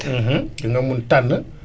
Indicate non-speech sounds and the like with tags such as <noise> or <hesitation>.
<hesitation> <hesitation> dinga mun tànn